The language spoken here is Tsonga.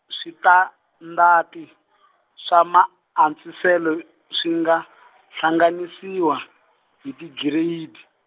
switandati , swa Maantswisele, swi nga , hlanganisiwa, ni tigiredi.